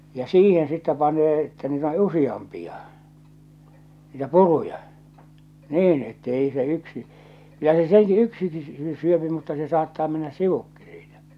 ja siihen sitten panee että niitä on useampia niitä puruja niin että ei se yksi ja se silti yksikin - syö mutta se saattaa mennä sivukin siitä